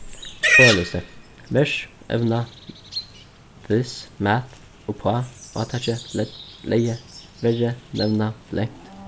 orðalisti vers evna this math uppá átaki legði verri nevna blankt